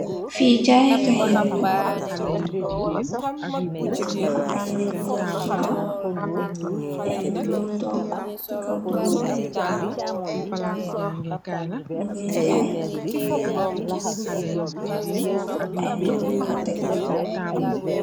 Fii jaayekaay yire la, mingi am ay yire nyungi aju si kaw, ay nit nyi ngi toog si kaw toogu, nyu nge jaay, ay toogu yu fa teggu.